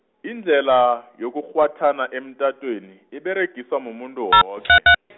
indlhela yokukghwathana emtatweni, iberegiswa mumuntu woke.